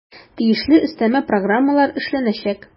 Тиешле өстәмә программалар эшләнәчәк.